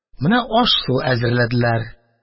Менә аш-су әзерләделәр